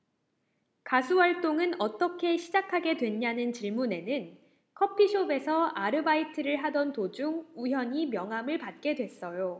가수 활동은 어떻게 시작하게 됐냐는 질문에는 커피숍에서 아르바이트를 하던 도중 우연히 명함을 받게 됐어요